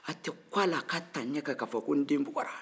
a tɛ kun a la a ka ta'a ɲɛ kan k'a fɔ ko n den bugɔra